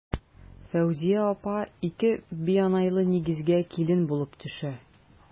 Фәүзия апа ике бианайлы нигезгә килен булып төшә.